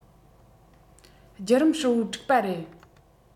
བརྒྱུད རིམ ཧྲིལ པོ དཀྲུགས པ རེད